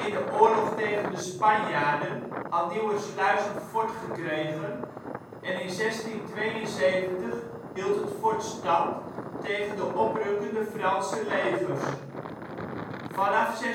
de oorlog tegen de Spanjaarden had Niewersluis een fort gekregen en in 1672 hield het fort stand tegen de oprukkende Franse legers. Vanaf 1673